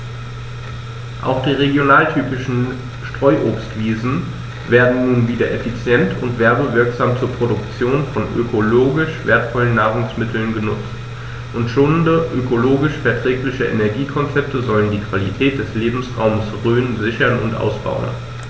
Auch die regionaltypischen Streuobstwiesen werden nun wieder effizient und werbewirksam zur Produktion von ökologisch wertvollen Nahrungsmitteln genutzt, und schonende, ökologisch verträgliche Energiekonzepte sollen die Qualität des Lebensraumes Rhön sichern und ausbauen.